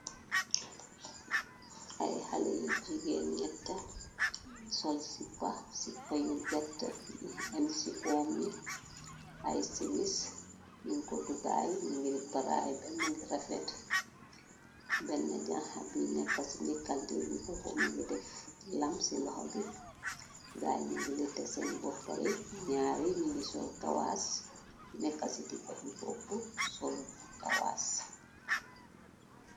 Ay xale jigéen ñetta sol ci pax ci payu bett bi m ci o mi ay cimis nin ko dugaal ni ngir baraay bemm ngi rafet benn janxa bi nekkaci ni kante bi ku ko mu ngi def lam ci loxa bi gaay ñu ngi lite seen boppa y ñaari ñi ngi sol kawaas nekka ci di pa bi koku solu kawaas.